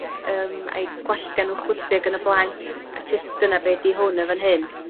yym a'u gwallga nw chwythu ag yn y blaen, a jyst dyna be' 'di hwn yn fan hyn.